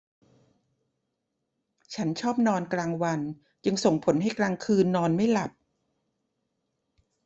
ฉันชอบนอนกลางวันจึงส่งผลให้กลางคืนนอนไม่หลับ